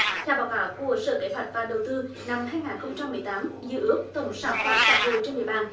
theo báo cáo của sở kế hoạch và đầu tư năm hai nghìn không trăm mười tám dự ước tổng sản phẩm xã hội trên địa bàn